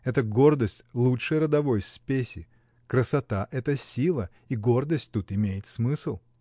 Эта гордость лучше родовой спеси: красота — это сила, и гордость тут имеет смысл.